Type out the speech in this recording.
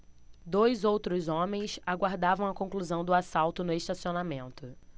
dois outros homens aguardavam a conclusão do assalto no estacionamento